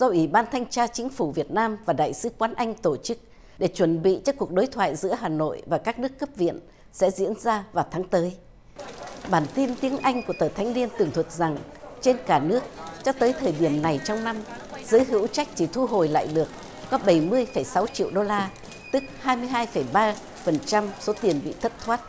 do ủy ban thanh tra chính phủ việt nam và đại sứ quán anh tổ chức để chuẩn bị cho cuộc đối thoại giữa hà nội và các nước cấp viện sẽ diễn ra vào tháng tới bản tin tiếng anh của tờ thanh niên tường thuật rằng trên cả nước cho tới thời điểm này trong năm giới hữu trách chỉ thu hồi lại được có bảy mươi phẩy sáu triệu đô la tức hai mươi hai phẩy ba phần trăm số tiền bị thất thoát